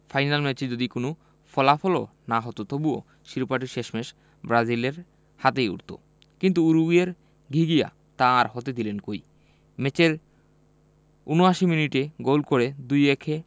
final ম্যাচে যদি কোনো ফলাফলও না হতো তবু শিরোপাটি শেষমেশ ব্রাজিলের হাতেই উঠত কিন্তু উরুগুয়ের ঘিঘিয়া তা আর হতে দিলেন কই ম্যাচের ৭৯ মিনিটে গোল করে ২ ১ এ